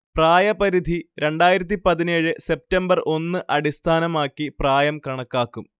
പ്രായപരിധി രണ്ടതായിരത്തിപതിനേഴ് സെപ്റ്റംബർ ഒന്ന് അടിസ്ഥാനമാക്കി പ്രായം കണക്കാക്കും